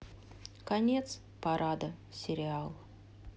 конец парада сериал